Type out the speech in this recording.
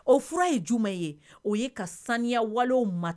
O fura ye j ye o ye ka saniya wale ma